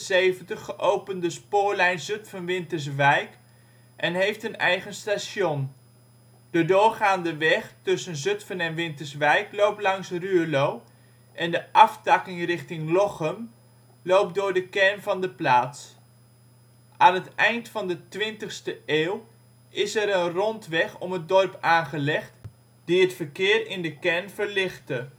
1878 geopende spoorlijn Zutphen-Winterswijk en heeft een eigen Station. De doorgaande weg tussen Zutphen en Winterswijk loopt langs Ruurlo, en de aftakking richting Lochem loopt door de kern van de plaats. Aan het eind van de 20e eeuw is er een rondweg om het dorp aangelegd die het verkeer in de kern verlichtte